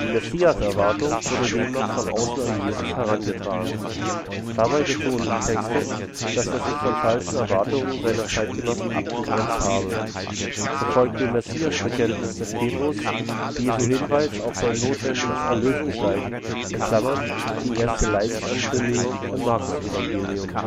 Die Messiaserwartung wurde demnach von außen an Jesus herangetragen. Dabei betonen die Texte, dass er sich von falschen Erwartungen seiner Zeitgenossen abgegrenzt habe. So folgt dem Messiasbekenntnis des Petrus Jesu Hinweis auf sein notwendiges Erlösungsleiden (die erste Leidensankündigung im Markusevangelium